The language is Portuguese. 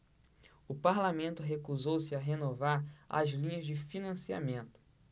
o parlamento recusou-se a renovar as linhas de financiamento